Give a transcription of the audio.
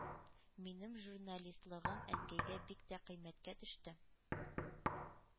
Минем ”журналистлыгым“ Әнкәйгә бик тә кыйммәткә төште.